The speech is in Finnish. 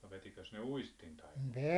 no vetikös ne uistinta ennen